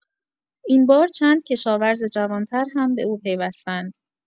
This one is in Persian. این بار چند کشاورز جوان‌تر هم به او پیوستند.